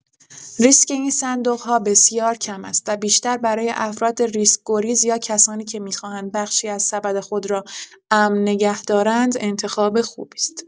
ریسک این صندوق‌ها بسیار کم است و بیشتر برای افراد ریسک‌گریز یا کسانی که می‌خواهند بخشی از سبد خود را امن نگه دارند انتخاب خوبی است.